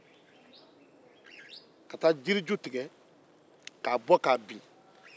ka taa jiriju tigɛ k'a bɔ ka bin